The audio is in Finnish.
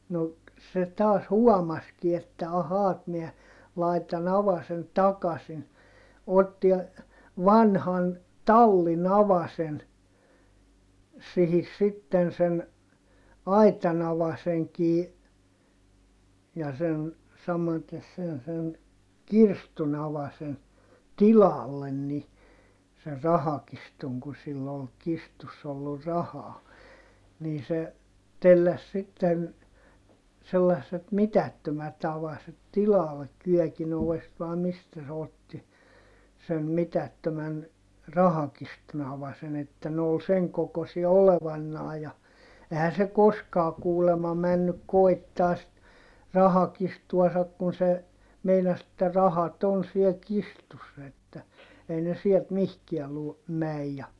no se taas huomasikin että ahaa että minä laitan avasen takaisin otti vanhan tallin avasen siihen sitten sen aitan avaimenkin ja sen samaten sen sen kirstun avasen tilalle niin sen rahakirstun kun sillä oli kirstussa ollut rahaa niin se telläsi sitten sellaiset mitättömät avaset tilalle kyökin ovesta vai mistä se otti sen mitättömän rahakirstun avasen että ne oli sen kokoisia olevanaan ja eihän se koskaan kuulemma mennyt koettamaan sitten rahakirstuansa kun se meinasi että rahat on siellä kirstussa että ei ne sieltä mihinkään - mene ja